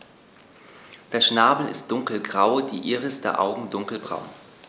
Der Schnabel ist dunkelgrau, die Iris der Augen dunkelbraun.